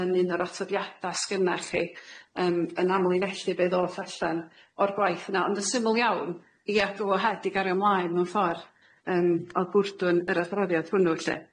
Yn un o'r atodiada s'gynnach chi yym yn amlinellu be ddoth allan o'r gwaith yna ond yn syml iawn ia go ahead i gario mlaen mewn ffor' yym o'dd byrdwn yr adroddiad hwnnw lly.